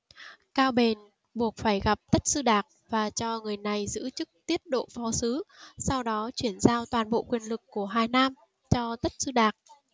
cao biền buộc phải gặp tất sư đạc và cho người này giữ chức tiết độ phó sứ sau đó chuyển giao toàn bộ quyền lực của hoài nam cho tất sư đạc